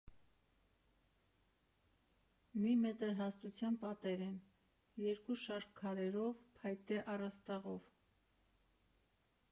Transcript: Մի մետր հաստության պատեր են, երկու շարք քարերով, փայտե առաստաղով։